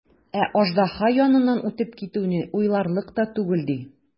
Ә аждаһа яныннан үтеп китүне уйларлык та түгел, ди.